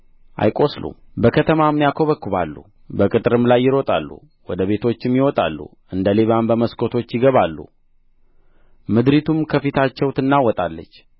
አይቈስሉም በከተማም ያኰበክባሉ በቅጥሩም ላይ ይሮጣሉ ወደ ቤቶችም ይወጣሉ እንደ ሌባም በመስኮቶች ይገባሉ ምድሪቱም ከፊታቸው ትናወጣለች